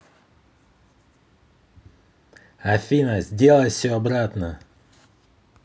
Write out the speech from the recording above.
афина сделай все обратно